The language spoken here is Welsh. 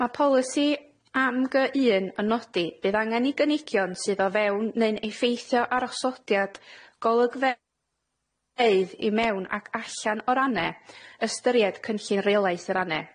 Ma' polisi A M Gy un yn nodi bydd angen i gynigion sydd o fewn neu'n effeithio ar osodiad golygfe- ydd i mewn ac allan o'r AHNE, ystyried cynllun reolaeth yr AHNE.